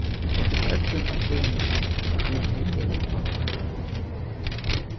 eftir øllum at døma eru tey deyð